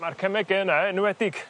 ma'r cemege yne enwedig